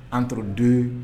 Entre deux